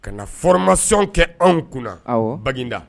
Ka na formation kɛ anw kunna, awɔ, Baginda.